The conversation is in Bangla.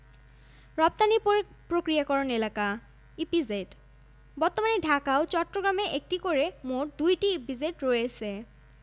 গাজীপুর মংলা ঈশ্বরদী কুমিল্লা সৈয়দপুর ও সিরাজগঞ্জে একটি করে ইপিজেড প্রতিষ্ঠার পরিকল্পনা রয়েছে চট্টগ্রামে একটি কোরিয়ান ইপিজেড প্রতিষ্ঠার উদ্দেশ্যে বাংলাদেশ ও কোরিয়ার মধ্যে রাষ্ট্রীয় পর্যায়ে চুক্তি স্বাক্ষরিত হয়েছে